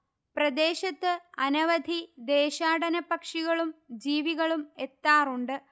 പ്രദേശത്ത് അനവധി ദേശാടന പക്ഷികളും ജീവികളും എത്താറുണ്ട്